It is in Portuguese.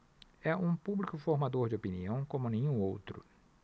é um público formador de opinião como nenhum outro